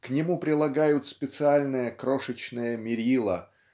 К нему прилагают специальное крошечное мерило